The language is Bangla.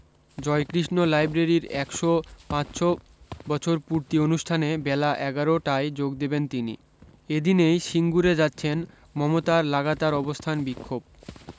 জয়কৃষ্ণ লাইব্রেরির একশ পাঁচশ বছর পূর্তি অনুষ্ঠানে বেলা এগারো টায় যোগ দেবেন তিনি এদিনেই সিঙ্গুরে যাচ্ছেন মমতার লাগাতার অবস্থান বিক্ষোভ